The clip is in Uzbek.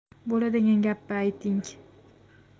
bo'ladigan gapni ayting